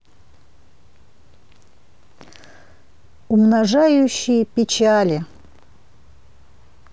умножающие печали